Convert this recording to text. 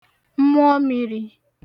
mmụọmiri